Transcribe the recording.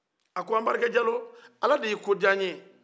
a ko anbarike jalo ala de ye e koja anw ye